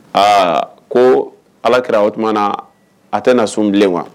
Aa ko Ala Kira o tuma na a tɛna sun bilen wa